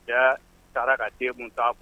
Jaa taara ka te mun t ta